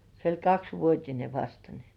se oli kaksivuotinen vasta niin